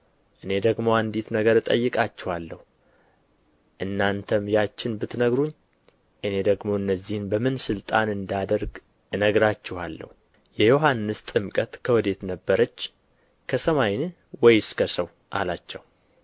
እኔ ደግሞ አንዲት ነገር እጠይቃችኋለሁ እናንተም ያችን ብትነግሩኝ እኔ ደግሞ እነዚህን በምን ሥልጣን እንዳደርግ እነግራችኋለሁ የዮሐንስ ጥምቀት ከወዴት ነበረች ከሰማይን ወይስ ከሰው አላቸው